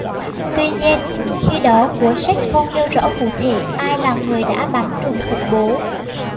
tuy nhiên khi đó cuốn sách không nêu rõ cụ thể ai là người đã bắn trùm khủng bố